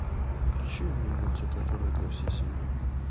включи мультик который для всей семьи